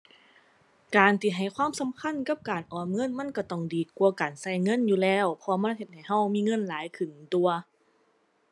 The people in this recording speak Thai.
การที่ให้ความสำคัญกับการออมเงินมันก็ต้องดีกว่าการก็เงินอยู่แล้ว เพราะว่ามันเฮ็ดให้ก็มีเงินหลายขึ้นตั่ว